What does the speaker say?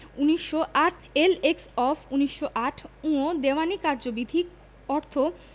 ১৯০৮ L X of ১৯০৮ ঙ দেওয়ানী কার্যবিধি অর্থ